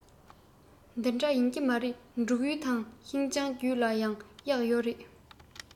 དེ འདྲ ཡིན གྱི མ རེད འབྲུག ཡུལ དང ཤིན ཅང རྒྱུད ལ ཡང གཡག ཡོད རེད